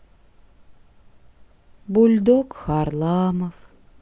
бульдог харламов